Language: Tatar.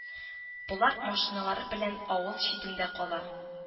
Болар машиналары белән авыл читендә кала